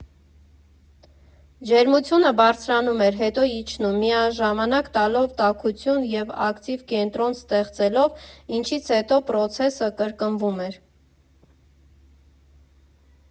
Ջերմությունը բարձրանում էր, հետո իջնում՝ միաժամանակ տալով տաքություն և ակտիվ կենտրոն ստեղծելով, ինչից հետո պրոցեսը կրկնվում էր։